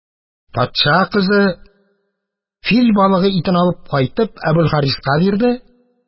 Атша кызы фил балыгы итен алып кайтып әбелхариска бирде.